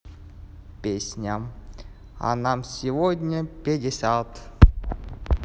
песня а нам сегодня пятьдесят